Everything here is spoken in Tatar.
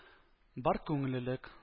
Бар күңеллелек